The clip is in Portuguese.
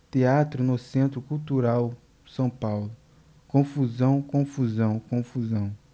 teatro no centro cultural são paulo confusão confusão confusão